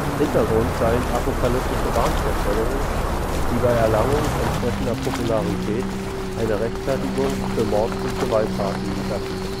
Hintergrund seien apokalyptische Wahnvorstellungen, die bei Erlangung entsprechender Popularität eine Rechtfertigung für Mord und Gewalttaten lieferten